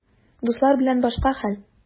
Дуслар белән башка хәл.